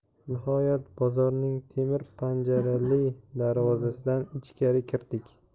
nihoyat bozorning temir panjarali darvozasidan ichkari kirdik